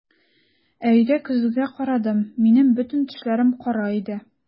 Ә өйдә көзгегә карадым - минем бөтен тешләрем кара иде!